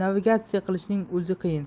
navigatsiya qilishning o'zi qiyin